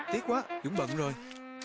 tiếc quá dũng bận rồi